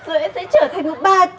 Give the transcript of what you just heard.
rồi em sẽ trở thành một bà chủ